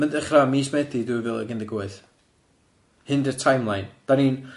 Ma'n dechra mis Medi dwy fil ag un deg wyth, hyn dy timeline dan ni'n-.